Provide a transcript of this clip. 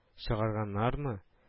Чыгарганнармы